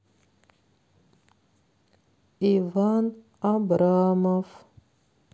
иван абрамов